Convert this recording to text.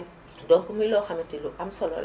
donc muy loo xamante ni lu am solo la